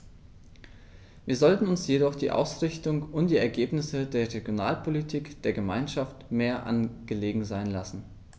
Wir sollten uns jedoch die Ausrichtung und die Ergebnisse der Regionalpolitik der Gemeinschaft mehr angelegen sein lassen.